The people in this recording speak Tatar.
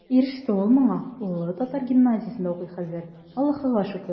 Иреште ул моңа, улы татар гимназиясендә укый хәзер, Аллаһыга шөкер.